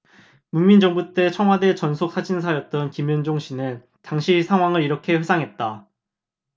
문민정부 때 청와대 전속사진사였던 김현종씨는 당시 상황을 이렇게 회상했다